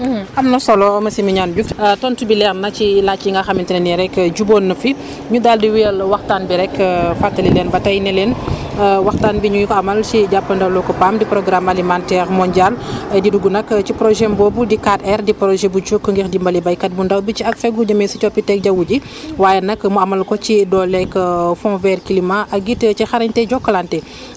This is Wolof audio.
am na solo monsieur Mignane Diouf ah tontu bi leer na ci laaj yi nga xamante ne ni rek juboon na fi ñu daal di wéyal waxtaan bi rek fàttali leen ba tey ne leen waxtaan bi ñu ngi ko amal si jàppandalug PAM di programme alimentaire mondial di dugg nag ci projet boobu di 4R di projet bu jóg ngir dimbalibéykat bu ndaw bi ci ak fegu jëmee si coppite jaww ji waaye nag mu amal ko ci dooleg fond vert climat ak it ci xarañte Jokalante